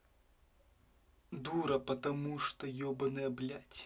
дура потому что ебанутая блядь